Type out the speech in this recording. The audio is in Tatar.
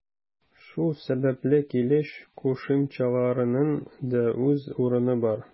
Шул сәбәпле килеш кушымчаларының да үз урыны бар.